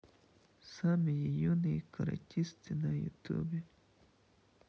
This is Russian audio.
самые юные каратисты на ютуб